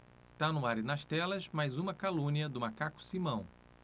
tá no ar e nas telas mais uma calúnia do macaco simão